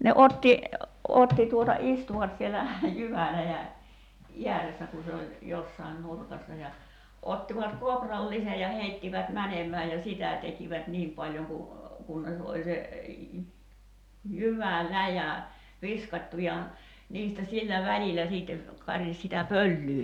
ne otti otti tuota istuivat siellä jyväläjän ääressä kun se oli jossakin nurkassa ja ottivat kourallisen ja heittivät menemään ja sitä tekivät niin paljon kun kunnes oli se jyväläjä viskattu ja niistä sillä välillä sitten karisi sitä pölyä